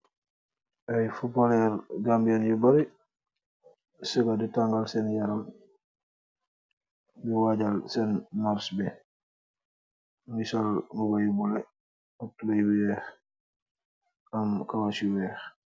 Ay foppaleer gambian yu bari sëgga di tàngal seen yaram di waajal seen màrch bi nyugi sol mbuba yu buloh ak tubaay weex am kawash yu weex.